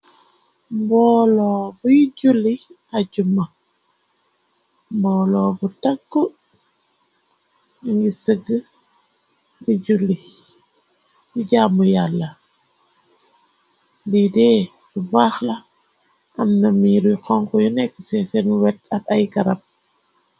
Mboolo buy juli aljuma mboolo bu takk ngi sëg ri juli i jàmmu yàlla li dee lu baax la am na miiruy xonx yu nekk ci senu wet at ay garab.